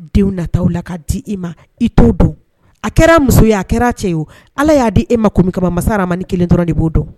Denw na ta o la ka di i ma i t'o dɔn a kɛra muso ye a kɛra cɛ ye Ala y'a di e ma kun min kama masa Arahamani 1 dɔrɔn de b'o dɔn